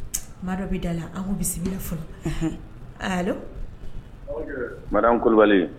Mara bɛ da la an ko bisimila fɔlɔ mara kulubali